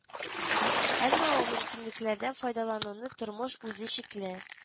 Әмма ул мөмкинлекләрдән файдалануны тормыш үзе чикли